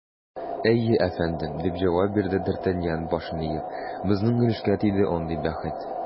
Әйе, әфәндем, - дип җавап бирде д’Артаньян, башын иеп, - безнең өлешкә тиде андый бәхет.